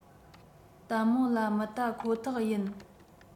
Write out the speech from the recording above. ལྟན མོ ལ མི ལྟ ཁོ ཐག ཡིན